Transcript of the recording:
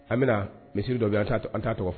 An bɛ na misiri dɔ bɛ yen, an t'a tɔgɔ fɔ